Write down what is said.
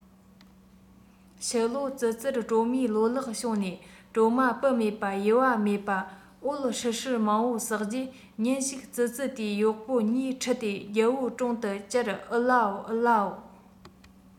ཕྱི ལོ ཙི ཙིར གྲོ མའི ལོ ལེགས བྱུང ནས གྲོ མ སྤུ མེད པ ཡུ བ མེད པ འོད ཧྲིལ ཧྲིལ མང མོ བསགས རྗེས ཉིན ཞིག ཙི ཙི དེས གཡོག པོ གཉིས ཁྲིད དེ རྒྱལ པོའི དྲུང དུ བཅར ཨུ ལའོ ཨུ ལའོ